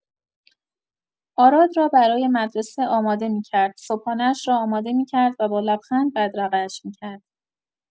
آراد را برای مدرسه آماده می‌کرد، صبحانه‌اش را آماده می‌کرد و با لبخند بدرقه‌اش می‌کرد.